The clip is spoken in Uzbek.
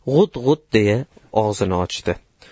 g'ut g'ut deya yerga qusdi